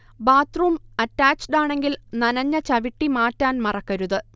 bathroom അറ്റാച്ച്ഡാണെങ്കിൽ നനഞ്ഞ ചവിട്ടി മാറ്റാൻ മറക്കരുത്